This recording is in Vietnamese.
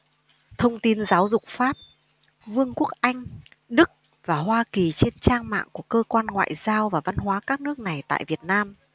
thông tin giáo dục pháp vương quốc anh đức và hoa kỳ trên trang mạng của cơ quan ngoại giao và văn hóa các nước này tại việt nam